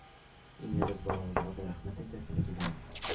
.— иң элек барыгызга да рәхмәт әйтәсем килә.